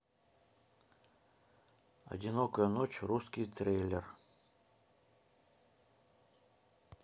одинокая ночь русский трейлер